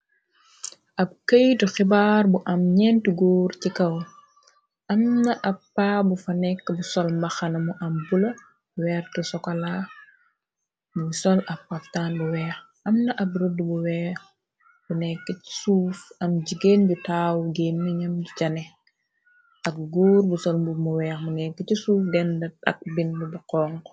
Ab këytu xibaar bu am ñenti góor ci kaw am na ab pa bu fa nekk bu sol mbaxanamu am bula weerte sokola muñ sol ab haftan bu weex amna ab rëdda bu weex bu nekk ci suuf am jigéen bu taaw géminam jane ak góor bu sol b mu weex mu nekk ci suuf dendt ak bind bu xonxu.